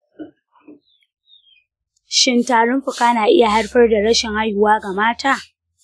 shin tarin fuka na iya haifar da rashin haihuwa ga mata?